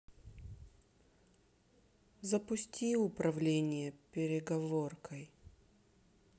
запусти управление переговоркой